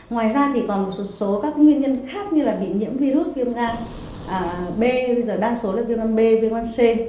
ngoài ra thì còn một số số các cái nguyên nhân khác như là bị nhiễm vi rút viêm gan à bê bây giờ đa số là viêm gan bê viêm gan xê